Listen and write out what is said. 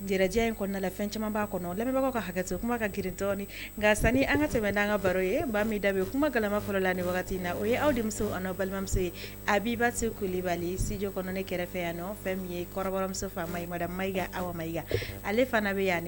In kɔnɔna la fɛn caman'a kɔnɔbagaw ka hakɛ kuma ka girin nka sani an ka tɛmɛ an ka baro ye ba min da ye kumama fɔlɔ la na o ye aw demuso an balimamuso ye a b'iba se kuli bali sdi kɔnɔ ne kɛrɛfɛ yan o fɛn min ye kɔrɔmuso faama mada maka aw ma ale fana bɛ yan